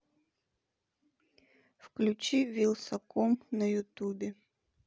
включи вилсаком на ютубе